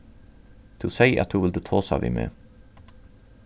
tú segði at tú vildi tosa við meg